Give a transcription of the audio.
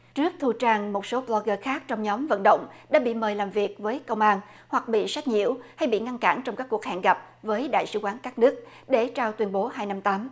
trước thu trang một số bơ lốc gơ khác trong nhóm vận động đã bị mời làm việc với công an hoặc bị sách nhiễu hay bị ngăn cản trong các cuộc hẹn gặp với đại sứ quán các nước để trao tuyên bố hai năm tám